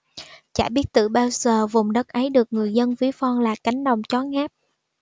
chả biết tự bao giờ vùng đất ấy được người dân ví von là cánh đồng chó ngáp